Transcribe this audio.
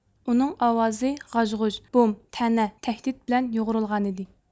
ئۇنىڭ ئاۋازى غاژ غۇژ بوم تەنە تەھدىت بىلەن يۇغۇرۇلغانىدى